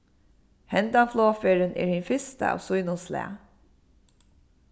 hendan flogferðin er hin fyrsta av sínum slag